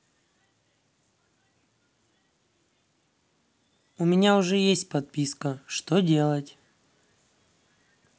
у меня уже есть подписка что делать